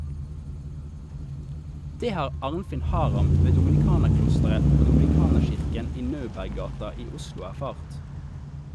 Det har Arnfinn Haram ved dominikanerklosteret og dominikanerkirken i Neuberggata i Oslo erfart.